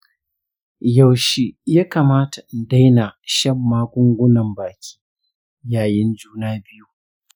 yaushe ya kamata in daina shan magungunan baki yayin juna biyu?